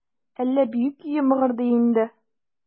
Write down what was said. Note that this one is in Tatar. Әллә бию көе мыгырдый инде?